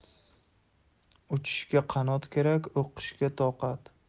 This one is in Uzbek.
uchishga qanot kerak o'qishga toqat